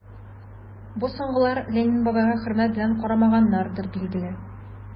Бу соңгылар Ленин бабайга хөрмәт белән карамаганнардыр, билгеле...